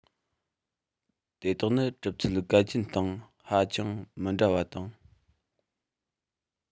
དེ དག ནི གྲུབ ཚུལ གལ ཆེན སྟེང ཧ ཅང མི འདྲ བ དང